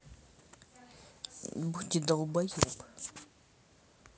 body долбоеб